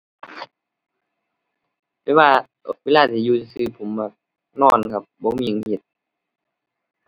แต่ว่าเวลาที่อยู่ซื่อซื่อผมมักนอนครับ บ่มีหยังเฮ็ด